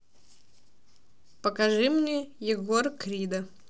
покажи мне егора крида